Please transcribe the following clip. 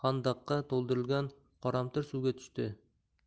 xan daqqa to'ldirilgan qoramtir suvga tushdi